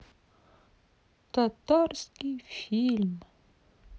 татарский фильм